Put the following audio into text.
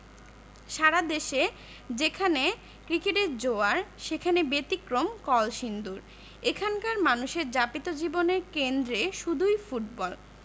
সারা দেশে যেখানে ক্রিকেটের জোয়ার সেখানে ব্যতিক্রম কলসিন্দুর এখানকার মানুষের যাপিত জীবনের কেন্দ্রে শুধুই ফুটবল